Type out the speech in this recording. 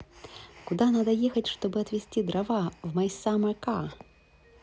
куда надо ехать чтобы отвести дрова в my summer car